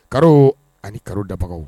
Ka ani kalo dabagaw